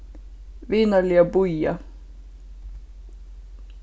vinarliga bíða